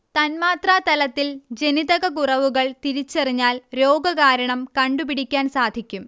തന്മാത്രാതലത്തിൽ ജനിതക കുറവുകൾ തിരിച്ചറിഞ്ഞാൽ രോഗകാരണം കണ്ടുപിടിക്കാൻ സാധിക്കും